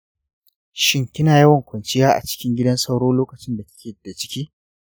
shin kina yawan kwanciya a cikin gidan sauro lokacin da kike da ciki?